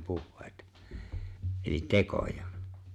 puheita eli tekoja